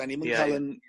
'Dan ni'm yn ca'l 'yn